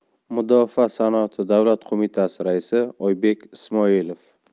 mudofaa sanoati davlat qo'mitasi raisi oybek ismoilov